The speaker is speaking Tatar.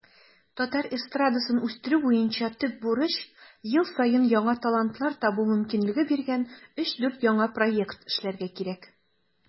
Татар эстрадасын үстерү буенча төп бурыч - ел саен яңа талантлар табу мөмкинлеге биргән 3-4 яңа проект эшләргә кирәк.